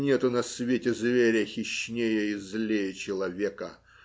Нету на свете зверя хищнее и злее человека.